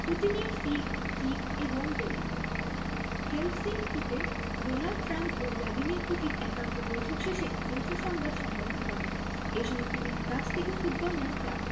পুতিনের free kick এবং goal হেলসিঙ্কিতে ডোনাল্ড ট্রাম্প ও ভ্লাদিমির পুতিন একান্ত বৈঠক শেষে যৌথ সংবাদ সম্মেলন করেন এ সময় পুতিনের কাছ থেকে ফুটবল নেন ট্রাম্প